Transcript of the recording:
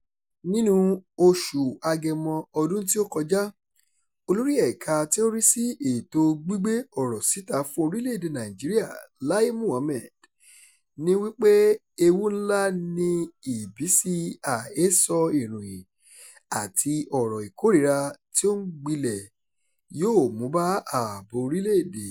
Nínúu oṣù Agẹmọ ọdún-un tí ó kọ́ja, Olórí Ẹ̀ka tí ó ń rí sí Ètò Gbígbé Ọ̀rọ̀ Síta fún Orílẹ̀-èdè Nàìjíríà Láí Mohammed ní wípé ewu ńlá ni ìbísí àhesọ ìròyìn àti ọ̀rọ̀ ìkórìíra tí ó ń gbilẹ̀ yóò mú bá ààbò orílẹ̀-èdè.